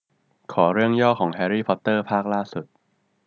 ขอเรื่องย่อของแฮรี่พอตเตอร์ภาคล่าสุด